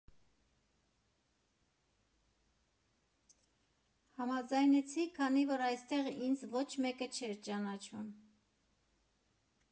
Համաձայնեցի, քանի որ այստեղ ինձ ոչ մեկ չէր ճանաչում։